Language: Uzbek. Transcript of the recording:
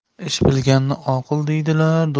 ish bilganni oqil deydilar